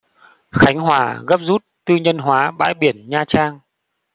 khánh hòa gấp rút tư nhân hóa bãi biển nha trang